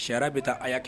Sira bɛ taa a y' kɛ